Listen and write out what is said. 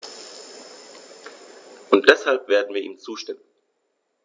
Und deshalb werden wir ihm zustimmen.